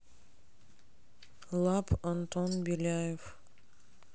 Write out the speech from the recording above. лаб антон беляев